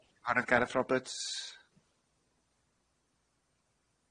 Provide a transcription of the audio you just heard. Arran Gareth Roberts.